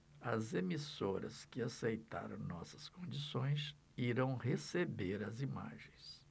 as emissoras que aceitaram nossas condições irão receber as imagens